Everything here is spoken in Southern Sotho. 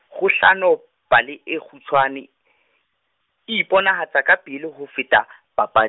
kgohlano pale e kgutshwane iponahatsa kapele ho feta papa-.